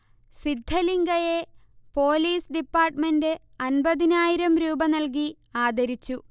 സിദ്ധലിങ്കയെ police department അൻപതിനായിരം രൂപ നൽകി ആദരിച്ചു